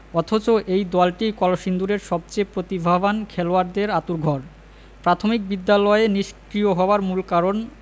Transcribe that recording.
অথচ এই দলটিই কলসিন্দুরের সবচেয়ে প্রতিভাবান খেলোয়াড়দের আঁতুড়ঘর প্রাথমিক বিদ্যালয় নিষ্ক্রিয় হওয়ার মূল কারণ